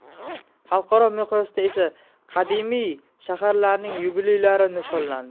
xalqaro miqyosda esa qadimiy shaharlarning yubileylari nishonlandi